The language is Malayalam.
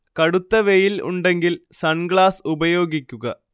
കടുത്ത വെയിൽ ഉണ്ടെങ്കിൽ സൺ ഗ്ലാസ് ഉപയോഗിക്കുക